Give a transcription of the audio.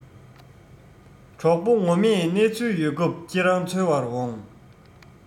གྲོགས པོ ངོ མས གནས ཚུལ ཡོད སྐབས ཁྱེད རང འཚོལ བར འོང